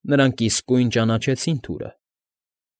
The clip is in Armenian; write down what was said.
Նրանք իսկույն ճանաչեցին թուրը։